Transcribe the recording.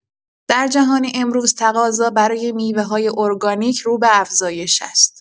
در جهان امروز تقاضا برای میوه‌های ارگانیک رو به افزایش است.